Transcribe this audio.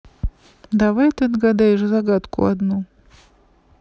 давай ты отгадаешь загадку одну